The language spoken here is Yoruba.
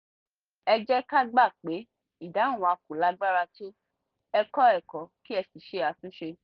Ẹ jẹ́ kí á gbà pé ìdáhùn wa kò lágbára tó, ẹ kọ́ ẹ̀kọ́ kí ẹ sì ṣe àtúnṣe.